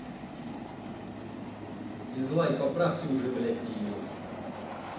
дизлайк поправьте уже блядь ее